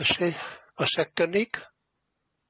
Felly o's e gynnig?